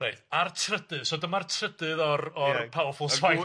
Reit, a'r trydydd, so dyma'r trydydd o'r o'r powerful swine...